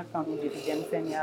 A deli denmisɛnw fɛn yan